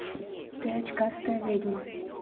ты очкастая ведьма